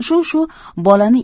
shu shu bolani